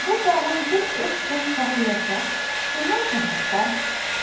Бу тагын бер өч төн шакыячак, шуннан соң туктар!